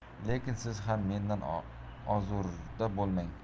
lekin siz ham mendan ozurda bo'lmang